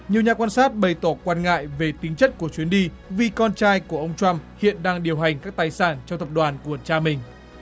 nhiều nhà quan sát bày tỏ quan ngại về tính chất của chuyến đi vì con trai của ông trăm hiện đang điều hành các tài sản cho tập đoàn của cha mình